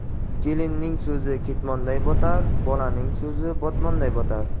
kelinning so'zi ketmonday botar bolaning so'zi botmonday botar